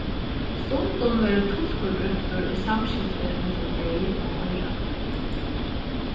stundum verður tulkur brúktur í samskifti millum deyv og hoyrandi